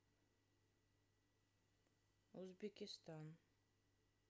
узбекистан